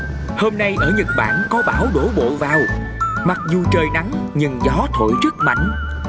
hôm nay ở nhật bản có bão đổ bộ vào mặc dù trời nắng nhưng gió thổi rất mạnh